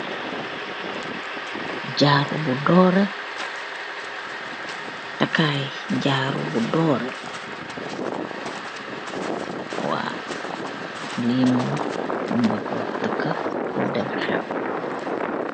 Jarou bu dooreh, takai jarou bu dooreh.